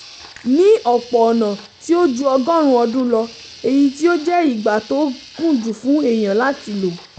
Ní ọ̀pọ̀ ọ̀nà, tí ó ju ọgọ́rùn-ún ọdún lọ, èyí tí ó jẹ́ ìgbà tí ó gùn jù fún èèyàn láti lò.